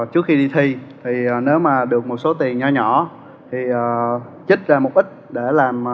trước khi đi thi thì nếu mà được một số tiền nho nhỏ thì ờ trích ra một ít để làm